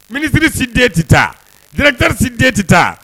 Ministre si den tɛ taa, directeur si den tɛ taa